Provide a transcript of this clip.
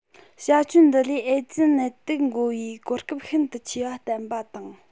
བྱ སྤྱོད འདི ལས ཨེ ཙི ནད དུག འགོ བའི གོ སྐབས ཤིན ཏུ ཆེ བ བསྟན པ དང